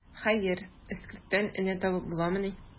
Хәер, эскерттән энә табып буламыни.